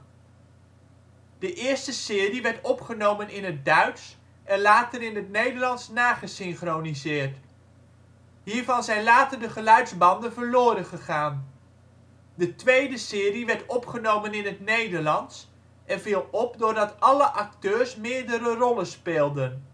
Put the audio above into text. De eerste serie werd opgenomen in het Duits en later in het Nederlands nagesynchroniseerd; hiervan zijn later de geluidsbanden verloren gegaan. De tweede serie werd opgenomen in het Nederlands en viel op doordat alle acteurs meerdere rollen speelden